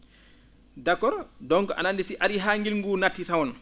d' accord donc ano anndi si arii haa ngilngu nguu naatti tawon